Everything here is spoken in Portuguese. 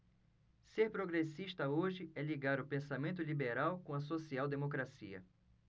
ser progressista hoje é ligar o pensamento liberal com a social democracia